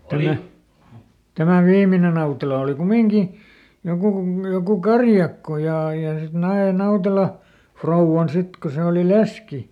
tämä tämä viimeinen Nautela oli kumminkin joku - joku karjakko ja ja sitten nai Nautela rouvan sitten kun se oli leski